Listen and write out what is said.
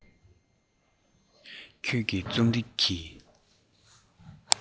ཁྱོད ཀྱིས རྩོམ རིག གི